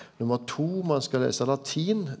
nummer to ein skal lesa latin.